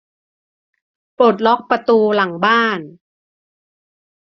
ปลดล็อคประตูหลังบ้าน